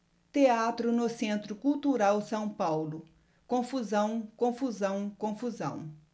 teatro no centro cultural são paulo confusão confusão confusão